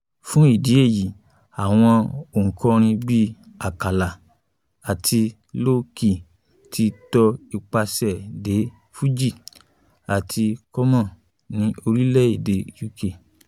Fún ìdí èyí, àwọn òǹkọrin bíi Akala àti Lowkey ti tọ ipàsẹ̀ The Fugees àti Common ní orílẹ̀-èdè UK.